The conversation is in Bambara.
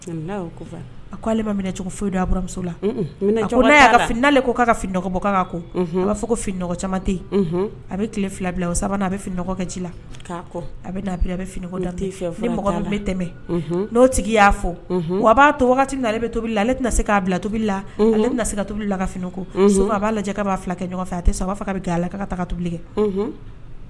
A alemusole finikan kan b'a fɔ ko fini a bɛ tile fila bila a bɛ finikɛ ci la a bɛ a fini la bɛ tɛmɛ n'o sigi y' fɔ wa b'a to wagati na ale bɛ tobilibi la ale tɛna se ka bila tobili la ale tɛna se ka tobili la ka fini kɔ a b'a lajɛ'a kafɛ a tɛ b'a ka a la ka taa ka tobi kɛ